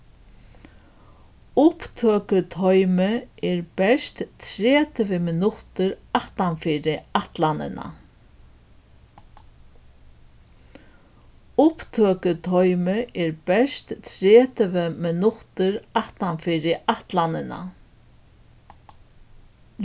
upptøkutoymið er bert tretivu minuttir aftanfyri ætlanina